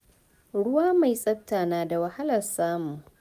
Ruwa mai tsafta na da wahalar samu.